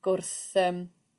gwrth yym